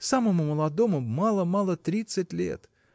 Самому молодому мало-мало тридцать лет.